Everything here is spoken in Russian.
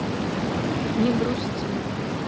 не грусти